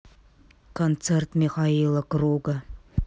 концерт михаила круга